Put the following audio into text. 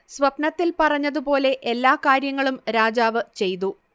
സ്വപ്നത്തിൽ പറഞ്ഞതുപോലെ എല്ലാ കാര്യങ്ങളും രാജാവ് ചെയ്തു